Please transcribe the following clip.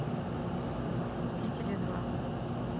мстители два